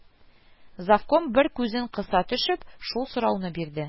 Завком, бер күзен кыса төшеп, шул сорауны бирде